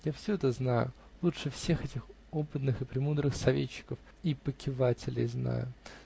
Я все это знаю, лучше всех этих опытных и премудрых советчиков и покивателей знаю.